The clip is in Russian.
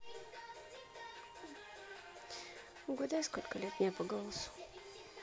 угадай сколько мне лет по голосу